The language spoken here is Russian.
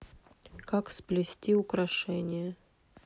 как сплести украшение